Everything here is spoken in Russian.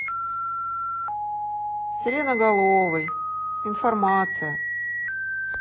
сиреноголовый информация